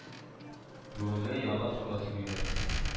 Бүгенге янгын турында сөйлиләр,